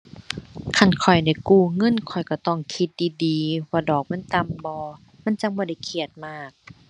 คันข้อยได้กู้เงินข้อยก็ต้องคิดดีดี ว่าดอกมันต่ำบ่ มันจั่งบ่ได้เครียดมาก